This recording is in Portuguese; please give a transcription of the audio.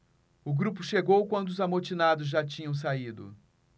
o grupo chegou quando os amotinados já tinham saído